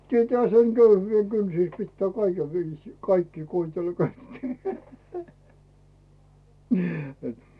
tietäähän sen köyhyyden kynsissä pitää kaiken viisiin kaikkia koetella kun että ei